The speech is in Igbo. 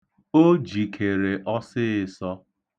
O jikere ọsịịsọ.